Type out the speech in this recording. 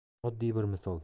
oddiy bir misol